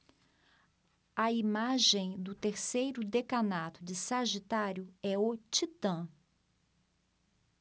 a imagem do terceiro decanato de sagitário é o titã